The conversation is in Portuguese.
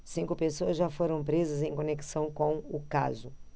cinco pessoas já foram presas em conexão com o caso